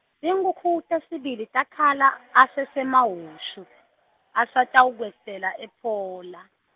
tinkhukhu, tesibili takhala asaseMahushu, asatakwehlela ePhola.